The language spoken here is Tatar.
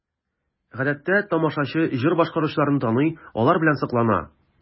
Гадәттә тамашачы җыр башкаручыларны таный, алар белән соклана.